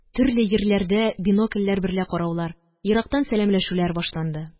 Төрле йирләрдә бинокльләр берлә караулар, ерактан сәламләшүләр башланды